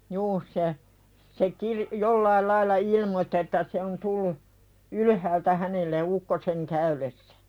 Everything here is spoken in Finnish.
juu se se - jollakin lailla ilmoitti että se on tullut ylhäältä hänelle ukkosen käydessä